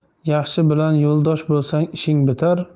yaxshi bilan yo'ldosh bo'lsang ishing bitar